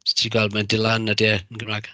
S- ti'n gweld ma'n dod lan odi e yn Gymraeg.